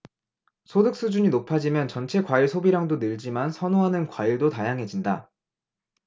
소득 수준이 높아지면 전체 과일 소비량이 늘지만 선호하는 과일도 다양해진다